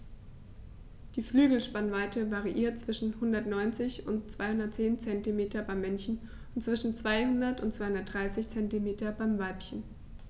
Die Flügelspannweite variiert zwischen 190 und 210 cm beim Männchen und zwischen 200 und 230 cm beim Weibchen.